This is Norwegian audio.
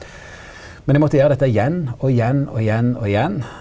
men eg måtte gjere dette igjen og igjen og igjen og igjen.